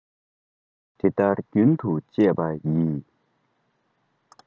དེ ལྟར རྒྱུན དུ སྤྱད པ ཡིས